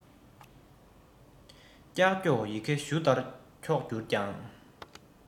ཀྱོག ཀྱོག ཡི གེ གཞུ ལྟར འཁྱོག གྱུར ཀྱང